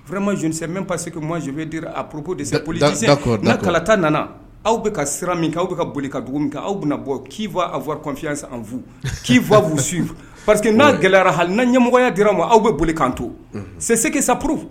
Fma z n pase que ma zfɛedr a purp deseoli n kalata nana aw bɛ ka sira min kɛ aw bɛ ka boli ka dugu min kɛ aw bɛna bɔ k'if awf kɔnfi fu k'fa busu pari que n'a gɛlɛyayara halil nan ɲɛmɔgɔya dɔrɔn an ma aw bɛ boli kan to seseke sapur